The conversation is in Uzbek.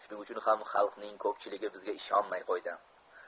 shuning uchun ham xalqning ko'pchiligi bizga ishonmay qo'ydi